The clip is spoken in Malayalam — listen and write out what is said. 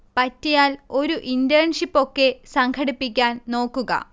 പറ്റിയാൽ ഒരു ഇന്റേൺഷിപ്പ് ഒക്കെ സംഘടിപ്പിക്കാൻ നോക്കുക